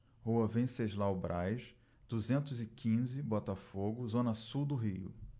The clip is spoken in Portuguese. rua venceslau braz duzentos e quinze botafogo zona sul do rio